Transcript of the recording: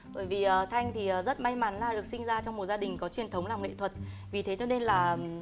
bởi vì à thanh thì rất may mắn là được sinh ra trong một gia đình có truyền thống làm nghệ thuật vì thế cho nên là